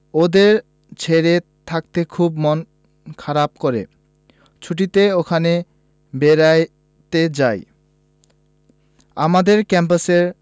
ওদের ছেড়ে থাকতে খুব মন খারাপ করে ছুটিতে ওখানে বেড়াতে যাই আমাদের ক্যাম্পাসের